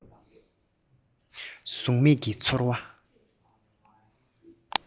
གཟུགས མེད ཀྱི ཚོར བ